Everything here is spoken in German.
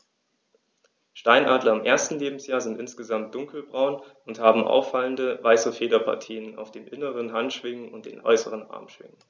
Steinadler im ersten Lebensjahr sind insgesamt dunkler braun und haben auffallende, weiße Federpartien auf den inneren Handschwingen und den äußeren Armschwingen.